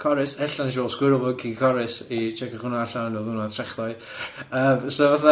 Corus, ella nes i weld squirrel monkey corus i tsieciwch hwnna allan oedd hwnna trechlo i yy so fatha.